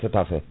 tout a fait